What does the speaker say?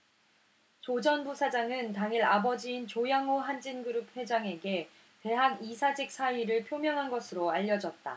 조 전 부사장은 당일 아버지인 조양호 한진그룹 회장에게 대학 이사직 사의를 표명한 것으로 알려졌다